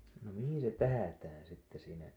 no mihin se tähdätään sitten siinä